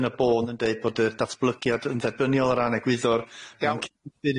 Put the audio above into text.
yn y bôn yn deud bod y datblygiad yn ddebyniol o ran egwyddor... iawn... ffurfiol